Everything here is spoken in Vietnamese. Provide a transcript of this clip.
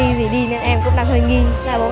gì đi nữa em cũng đang hơi nghi